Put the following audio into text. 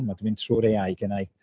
A mae o di mynd trwy'r AI gynna i.